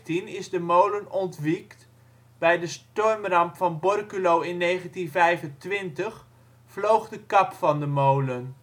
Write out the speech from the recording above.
in 1915 is de molen ontwiekt. Bij de stormramp van Borculo in 1925 vloog de kap van de molen